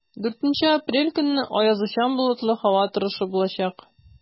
4 апрель көнне аязучан болытлы һава торышы булачак.